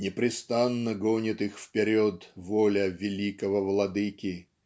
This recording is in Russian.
"Непрестанно гонит их вперед воля Великого Владыки